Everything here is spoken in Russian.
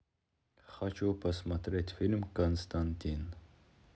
хочу посмотреть фильм константин